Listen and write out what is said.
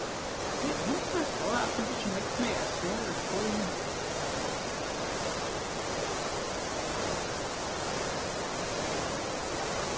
eg undraðist á at hon ikki megnaði at svara spurningunum